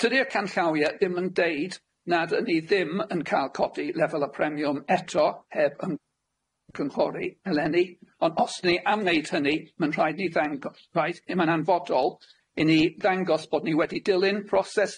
Tydi'r canllawia ddim yn deud nad y'n ni ddim yn ca'l codi lefel y premiwm eto heb ymgynghori eleni ond os ni am neud hynny ma'n rhaid ni ddang- rhaid i ma'n anfodol i ni ddangos bod ni wedi dilyn proses